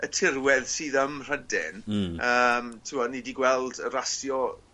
y tirwedd sydd ym Mrhyden... Hmm. ...yym t'wod ni 'di gweld y rasio